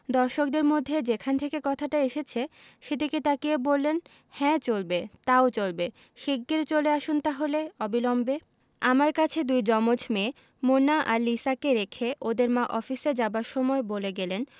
দর্শকদের মধ্যে যেখান থেকে কথাটা এসেছে সেদিকে তাকিয়ে বললেন হ্যাঁ চলবে তাও চলবে শিগগির চলে আসুন তাহলে অবিলম্বে আমার কাছে দুই জমজ মেয়ে মোনা আর লিসাকে রেখে ওদের মা অফিসে যাবার সময় বলে গেলেন